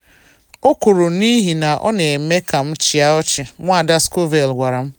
“O kwuru, “N’ihi ọ na eme ka m chịa ọchị,”” Nwada Scovell gwara m.